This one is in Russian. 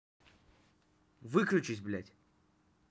выключись блять